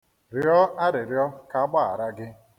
Rịọ arịrịọ ka a gbaghara gị.